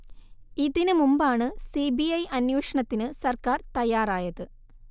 ഇതിന് മുമ്പാണ് C B I അന്വേഷണത്തിന് സർക്കാർ തയ്യാറായത്